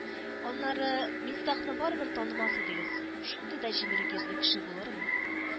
Аннары, Мифтахны барыбер танымас идегез – шундый да җимерек йөзле кеше булырмы